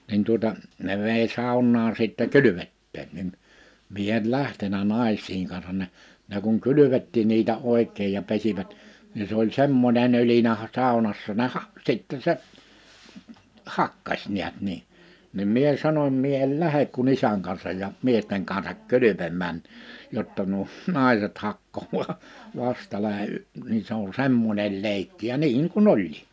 niin tuota ne vei saunaan sitten kylvettämään niin minä en lähtenyt naisten kanssa ne ne kun kylvettikin niitä oikein ja pesivät niin se oli semmoinen ölinä - saunassa ne - sitten se hakkasi näet niin niin minä sanoin minä en lähde kuin isän kanssa ja miesten kanssa kylpemään jotta nuo naiset hakkaa vastalla - niin se on semmoinen leikki ja niin kuin oli